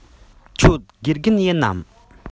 ཁྱོད དགེ རྒན ཡིན ནམ